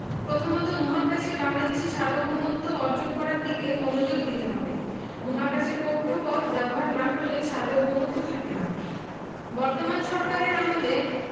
প্রথমত মহাকাশে বাংলাদেশের সার্বভৌমত্ব অর্জন করার দিকে মনোযোগ দিতে হবে মহাকাশের কক্ষপথ ব্যবহার না করলে সার্বভৌমত্ব থাকে না বর্তমান সরকারের আমলে